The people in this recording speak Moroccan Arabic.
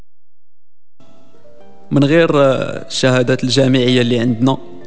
من غير شهاده الجامعيه اللي عندنا